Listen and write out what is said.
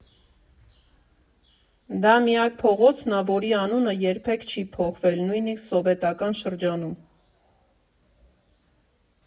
Դա միակ փողոցն ա, որի անունը երբեք չի փոխվել, նույնիսկ սովետական շրջանում.